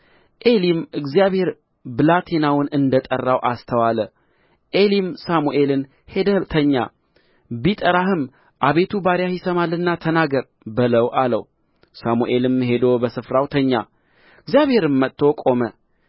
ዔሊም እግዚአብሔር ብላቴናውን እንደ ጠራው አስተዋለ ዔሊም ሳሙኤልን ሄደህ ተኛ ቢጠራህም አቤቱ ባሪያህ ይሰማልና ተናገር በለው አለው ሳሙኤልም ሄዶ በስፍራው ተኛ እግዚአብሔርም መጥቶ ቆመ